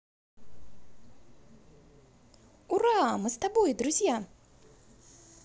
ура мы с тобой друзья